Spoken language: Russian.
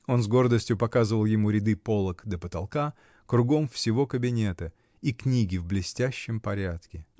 Он с гордостью показывал ему ряды полок до потолка, кругом всего кабинета, и книги в блестящем порядке.